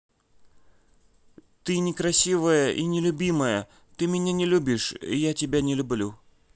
ты некрасивая и нелюбимая ты меня не любишь я тебя не люблю